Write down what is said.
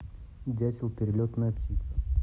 дятел перелетная птица